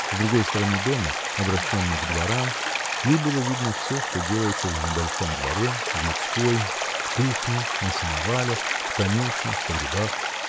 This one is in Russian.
С другой стороны дома, обращенной к дворам, ей было видно всё, что делается на большом дворе, в людской, в кухне, на сеновале, в конюшне, в погребах.